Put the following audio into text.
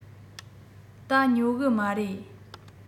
ད ཉོ གི མ རེད